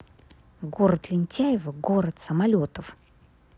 город лентяево город самолетов